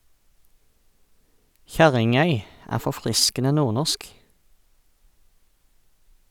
Kjerringøy er forfriskende nordnorsk!